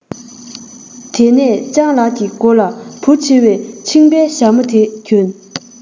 དེ ནས སྤྱང ལགས ཀྱི མགོ ལ བུ ཆེ བའི ཕྱིང པའི ཞྭ མོ དེ གྱོན